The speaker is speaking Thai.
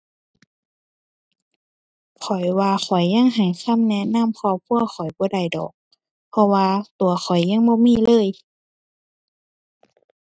ข้อยว่าข้อยยังให้คำแนะนำครอบครัวข้อยบ่ได้ดอก เพราะว่าตัวข้อยยังบ่มีเลย